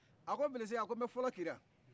a ko bilisi a ko n'bɛ fɔlɔ kɛnɛna